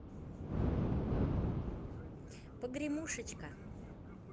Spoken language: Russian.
погремушечка